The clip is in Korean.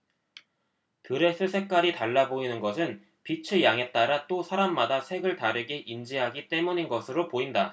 드레스 색깔이 달라 보이는 것은 빛의 양에 따라 또 사람마다 색을 다르게 인지하기 때문인 것으로 보인다